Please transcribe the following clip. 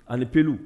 Alipiwu